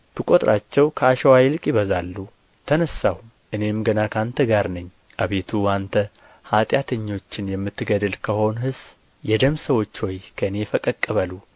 ብቈጥራቸው ከአሸዋ ይልቅ ይበዛሉ ተነሣሁም እኔም ገና ከአንተ ጋር ነኝ አቤቱ አንተ ኃጢአተኞችን የምትገድል ከሆንህስ የደም ሰዎች ሆይ ከእኔ ፈቀቅ በሉ